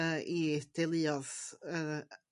Yy i deuluodd yy